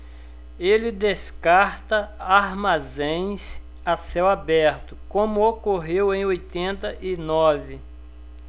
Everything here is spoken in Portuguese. ele descarta armazéns a céu aberto como ocorreu em oitenta e nove